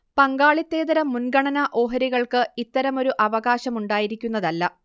പങ്കാളിത്തേതര മുൻഗണനാ ഓഹരികൾക്ക് ഇത്തരമൊരു അവകാശമുണ്ടായിരിക്കുന്നതല്ല